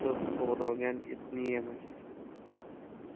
to'q to'g'ralgan etni yemas